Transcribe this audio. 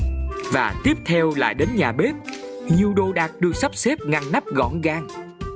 và tiếp theo là đến nhà bếp nhiều đồ đạc được sắp xếp ngăn nắp gọn gàng